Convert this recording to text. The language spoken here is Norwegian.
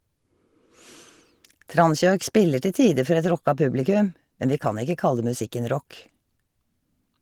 Transjoik spiller til tider for et rocka publikum, men vi kan ikke kalle musikken rock.